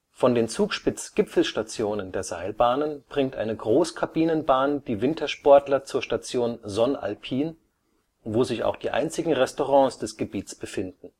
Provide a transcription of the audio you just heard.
Von den Zugspitz-Gipfelstationen der Seilbahnen bringt eine Großkabinenbahn die Wintersportler zur Station Sonn Alpin, wo sich auch die einzigen Restaurants des Gebiets befinden